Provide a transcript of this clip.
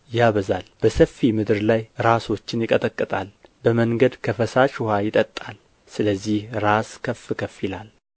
ያበዛል በሰፊ ምድር ላይ ራሶችን ይቀጠቅጣል በመንገድ ከፈሳሽ ውኃ ይጠጣል ስለዚህ ራስ ከፍ ከፍ ይላል